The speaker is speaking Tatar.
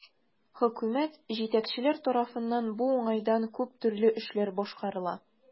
Хөкүмәт, җитәкчеләр тарафыннан бу уңайдан күп төрле эшләр башкарыла.